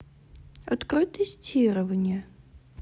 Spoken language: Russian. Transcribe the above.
открой тестирование